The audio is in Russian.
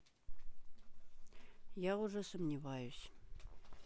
я уже сомневаюсь